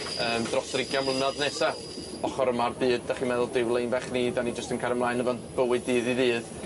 Yym dros yr ugian mlynadd nesa ochor yma'r byd, 'dach chi'n meddwl dyw lein fach ni, 'dan ni jyst yn cario mlaen efo'n bywyd dydd i ddydd.